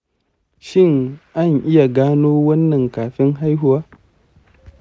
shin an iya gano wannan kafin haihuwa?